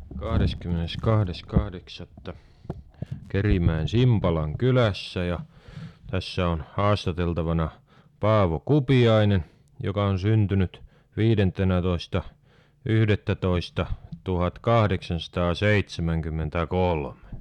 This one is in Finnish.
kahdeskymmeneskahdes kahdeksatta Kerimäen Simpalan kylässä ja tässä on haastateltavana Paavo Kupiainen joka on syntynyt viidentenätoista yhdettätoista tuhatkahdeksansataaseitsemänkymmentä kolme